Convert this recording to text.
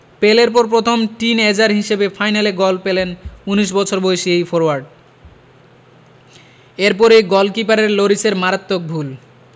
পেলের পর প্রথম টিনএজার হিসেবে ফাইনালে গোল পেলেন ১৯ বছর বয়সী এই ফরোয়ার্ড এরপরই গোলকিপারের লরিসের মারাত্মক ভুল